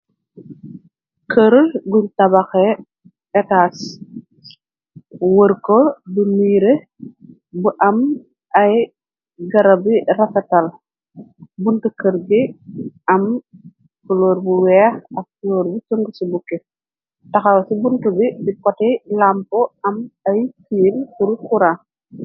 kër gun tabaxe etas wër ko du miire bu am ay gara bi rafatal bunt kër gi am floor bu weex ak floor bi cung ci bukki taxaw ci bunt bi di poti lampo am ay tiir kur kura